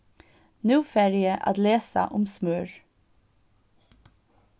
nú fari eg at lesa um smør